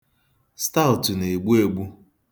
Stout na-egbu egbu.